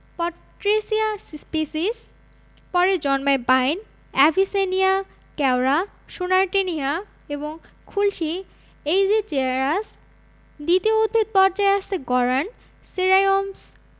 পট্রেসিয়া species পরে জন্মায় বাইন এভিসেনিয়া কেওড়া সোনারনেটিয়া এবং খুলশী এইজিচেরাস দ্বিতীয় উদ্ভিদ পর্যায়ে আছে গরান সেরাইয়প্স